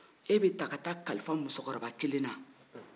e bi ta ka ta kalifa musokɔrɔba kelen na